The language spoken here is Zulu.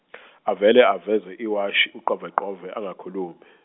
avele aveze iwashi uqoveqove angakhulumi.